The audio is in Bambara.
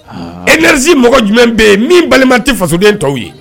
Eɛsi mɔgɔ jumɛn bɛ min balima tɛ fasoden tɔw ye